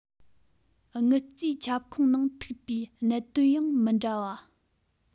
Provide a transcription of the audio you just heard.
དངུལ རྩའི ཁྱབ ཁོངས ནང ཐུག པའི གནད དོན ཡང མི འདྲ བ